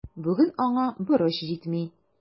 Бүген аңа борыч җитми.